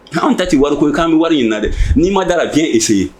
H anw ta ci wari ko'an bɛ wari in na dɛ n'i ma dala diɲɛ ii ye